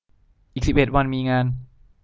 อีกสิบเอ็ดวันมีงาน